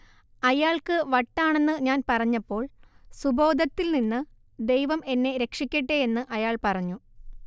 അയാൾക്ക് വട്ടാണെന്ന് ഞാൻ പറഞ്ഞപ്പോൾ സുബോധത്തിൽ നിന്ന് ദൈവം എന്നെ രക്ഷിക്കട്ടെ എന്ന് അയാൾ പറഞ്ഞു